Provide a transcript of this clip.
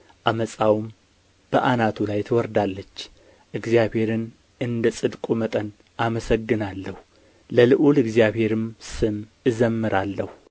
ዓመፃውም በአናቱ ላይ ትወርዳለች እግዚአብሔርን እንደ ጽድቁ መጠን አመሰግናለሁ ለልዑል እግዚአብሔርም ስም እዘምራለሁ